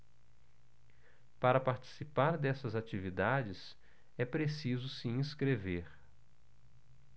para participar dessas atividades é preciso se inscrever